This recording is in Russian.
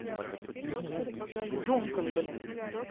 duncan блин